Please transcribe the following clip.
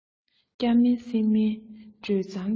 སྐྱ མིན སེར མིན སྒྲོལ བཟང གིས